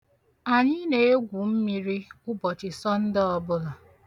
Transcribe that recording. Anyị na-egwu mmiri ụbọchị sonde ọbula.